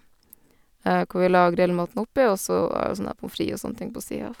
Hvor vi la grillmaten oppi, og så var det sånn der pommes frites og sånne ting på sia av.